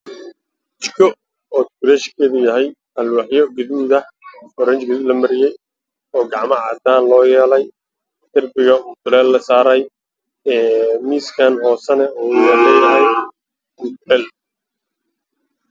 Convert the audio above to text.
Waajigo qaanadeedu qaxayihiin dhulkana wacdaan yahay oo aada iyo aadau qurxaan